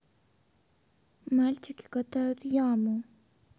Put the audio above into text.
мальчики катают яму